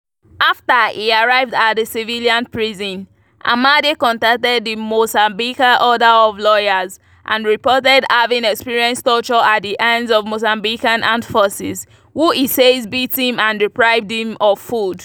After he arrived at the civilian prison, Amade contacted the Mozambican Order of Lawyers and reported having experienced torture at the hands of Mozambican armed forces, who he says beat him and deprived him of food.